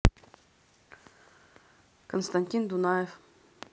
константин дунаев